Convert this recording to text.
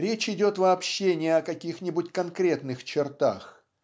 Речь идет вообще не о каких-нибудь конкретных чертах